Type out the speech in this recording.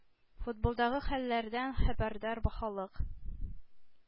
Футболдагы хәлләрдән хәбәрдар халык